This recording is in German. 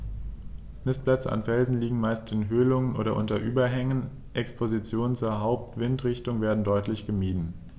Nistplätze an Felsen liegen meist in Höhlungen oder unter Überhängen, Expositionen zur Hauptwindrichtung werden deutlich gemieden.